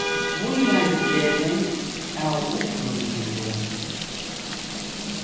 víðarigeving av upplýsingum